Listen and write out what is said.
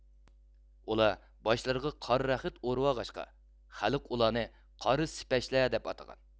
ئۇلار باشلىرىغا قارا رەخت ئورۇۋالغاچقا خەلق ئۇلارنى قارا سىپەچلەر دەپ ئاتىغان